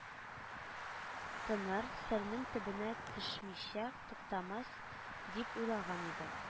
Тыныр, сернең төбенә төшмичә туктамас дип уйлаган иде